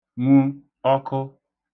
nwu ọkụ